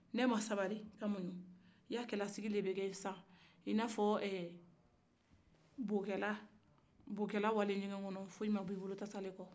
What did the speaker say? ni e ma sabali ka muɲu i ya cɛlasigi de bɛ kɛ sisan i n'a fɔ eee bokɛla-bokɛla walen ɲɛgɛn kɔnɔ foyi ma bɔ e bolo tasalen kɔ